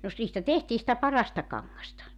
no - niistä tehtiin sitä parasta kangasta